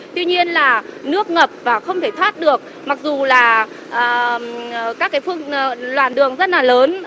tuy nhiên là nước ngập và không thể thoát được mặc dù là à các cái làn đường rất là lớn